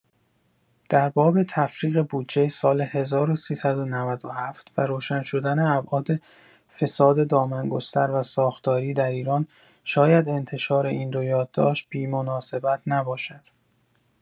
در باب تفریغ بودجه سال ۱۳۹۷ و روشن شدن ابعاد فساد دامن‌گستر و ساختاری در ایران شاید انتشار این دو یادداشت بی‌مناسبت نباشد.